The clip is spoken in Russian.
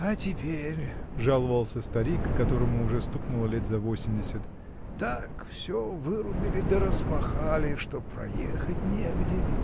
"А теперь, -- жаловался старик, которому уже стукнуло лет за восемьдесят, -- так все вырубили да распахали, что проехать негде".